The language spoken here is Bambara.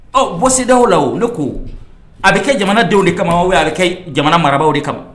Ɔ bɔsidaw la olu ko a bɛ kɛ jamanadenw de kama o bɛ kɛ jamana marabagaww de kama